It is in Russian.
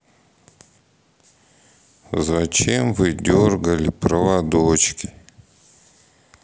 зачем вы дергали проводочки